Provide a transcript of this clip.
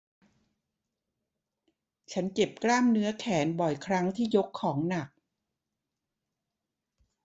ฉันเจ็บกล้ามเนื้อแขนบ่อยครั้งที่ยกของหนัก